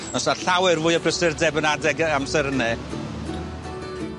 Fys' 'na llawer fwy o prysurdeb yn adeg yy amser ynny.